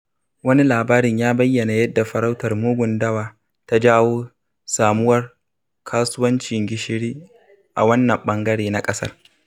Wani labarin ya bayyana yadda farautar mugun dawa ta jawo samuwar kasuwancin gishiri a wannan ɓangare na ƙasar.